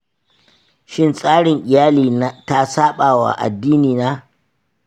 shin tsarin iyali ta saɓa wa addinina?